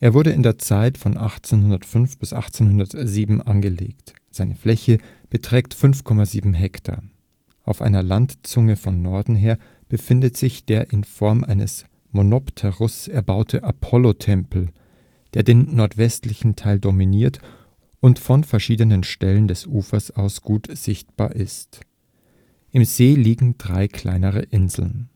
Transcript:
wurde in der Zeit von 1805 bis 1807 angelegt. Seine Fläche beträgt 5,7 Hektar. Auf einer Landzunge von Norden her befindet sich der in Form eines Monopteros erbaute Apollotempel, der den nordwestlichen Teil dominiert und von verschiedenen Stellen des Ufers aus gut sichtbar ist. Im See liegen drei kleine Inseln